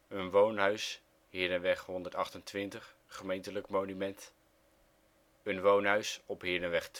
Woonhuis, Herenweg 128 (gemeentelijk monument) Woonhuis, Herenweg